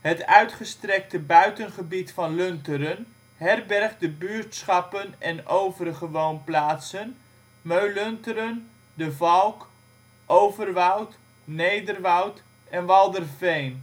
Het uitgestrekte buitengebied van Lunteren herbergt de buurtschappen en overige woonplaatsen Meulunteren, De Valk, Overwoud, Nederwoud en Walderveen